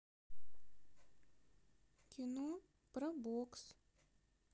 кино про бокс